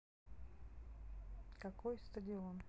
какой стадион